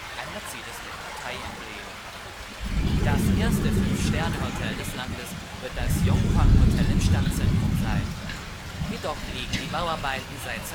ein Mercedes mit Parteiemblem. Das erste Fünf-Sterne-Hotel des Landes wird das Yŏnggwang Hot’ el im Stadtzentrum sein, jedoch liegen die Bauarbeiten seit